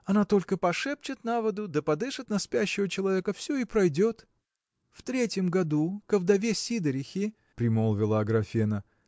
Она только пошепчет на воду да подышит на спящего человека – все и пройдет. – В третьем году ко вдове Сидорихе – примолвила Аграфена